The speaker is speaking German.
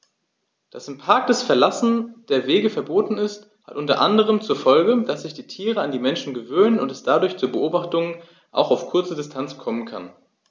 Dass im Park das Verlassen der Wege verboten ist, hat unter anderem zur Folge, dass sich die Tiere an die Menschen gewöhnen und es dadurch zu Beobachtungen auch auf kurze Distanz kommen kann.